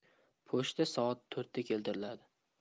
pochta soat to'rtda keltiriladi